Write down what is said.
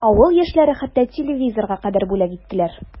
Авыл яшьләре хәтта телевизорга кадәр бүләк иттеләр.